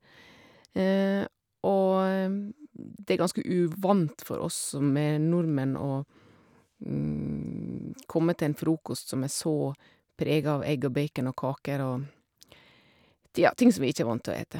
Og det er ganske uvant for oss som er nordmenn, å komme til en frokost som er så prega av egg og bacon og kaker og, tja, ting som vi ikke er vant til å ete.